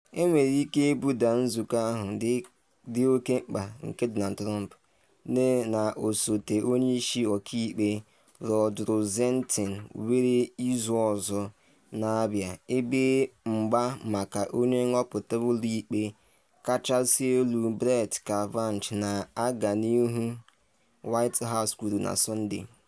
Enwere ike ibuda nzụkọ ahụ dị oke mkpa nke Donald Trump na osote onye isi ọka ikpe Rod Rosenstein nwere “izu ọzọ na-abịa” ebe mgba maka onye nhọpụta ụlọ ikpe kachasị elu Brett Kavanaugh na-aga n’ihu, White House kwuru na Sọnde.